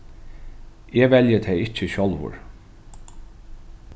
eg velji tey ikki sjálvur